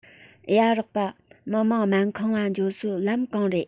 ཡ རོགས པ མི དམངས སྨན ཁང ང འགྱོ སོ ལམ གང རེད